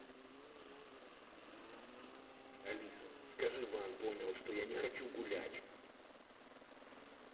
алиса скажи ван понял что я не хочу гулять